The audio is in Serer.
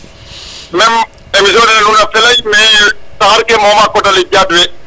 mais émission ne nuun a felay mais taxar ke moom a koda le jadwe